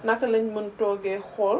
naka la ñu mën toogee xool